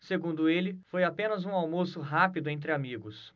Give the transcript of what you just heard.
segundo ele foi apenas um almoço rápido entre amigos